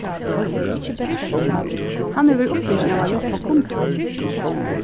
hann hevur verið upptikin av at hjálpa kundum